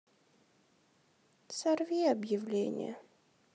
сорви объявление